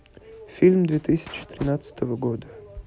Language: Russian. фильмы две тысячи тринадцатого года